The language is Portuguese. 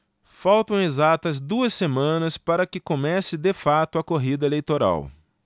faltam exatas duas semanas para que comece de fato a corrida eleitoral